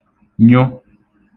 nyụ